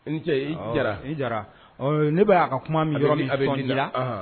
I ni ce i ne'a ka kuma min yɔrɔ min bɛ la